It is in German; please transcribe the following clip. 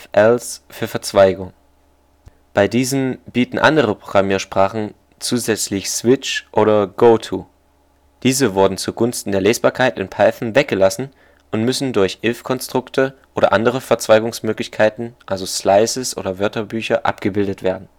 else für Verzweigungen Beim letzten Punkt bieten andere Programmiersprachen zusätzlich switch und/oder goto. Diese wurden zugunsten der Lesbarkeit in Python weggelassen und müssen durch if-Konstrukte oder andere Verzweigungsmöglichkeiten (Slices, Wörterbücher) abgebildet werden